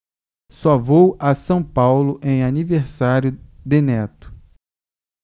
só vou a são paulo em aniversário de neto